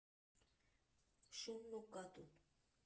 Շունն ու կատուն։